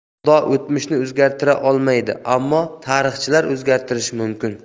xudo o'tmishni o'zgartira olmaydi ammo tarixchilar o'zgartirishi mumkin